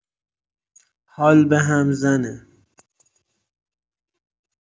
حال بهم زنه.